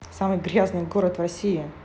самый грязный город в россии